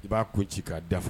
I b'a ko ci k'a dafa